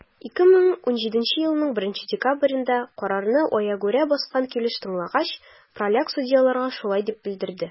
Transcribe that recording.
2017 елның 1 декабрендә, карарны аягүрә баскан килеш тыңлагач, праляк судьяларга шулай дип белдерде: